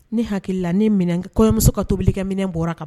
Ni hakili la ni kɔɲɔmuso ka tobili kɛ minɛ bɔra kan